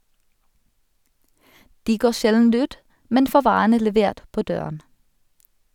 De går sjelden ut, men får varene levert på døren.